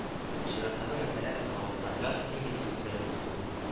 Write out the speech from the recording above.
Чираттагы мәсьәлә Салаватта газ химиясе үзәге булдыру